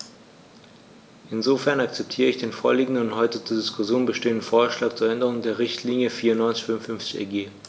Insofern akzeptiere ich den vorliegenden und heute zur Diskussion stehenden Vorschlag zur Änderung der Richtlinie 94/55/EG.